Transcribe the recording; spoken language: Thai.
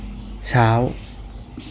เช้า